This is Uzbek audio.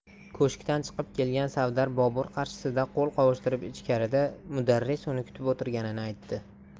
ko'shkdan chiqib kelgan savdar bobur qarshisida qo'l qovushtirib ichkarida mudarris uni kutib o'tirganini aytdi